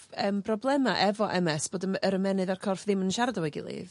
yym broblema efo Em Ess bod y m- yr ymennydd â'r corff ddim yn siarad efo'i gilydd?